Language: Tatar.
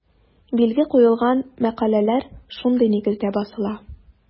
Билге куелган мәкаләләр шундый нигездә басыла.